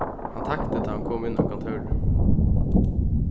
hann tagdi tá hon kom inn á kontórið